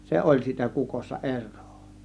se oli siitä kukossa eroa